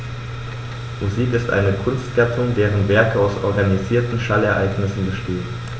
Musik ist eine Kunstgattung, deren Werke aus organisierten Schallereignissen bestehen.